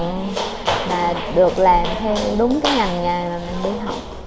được làm theo đúng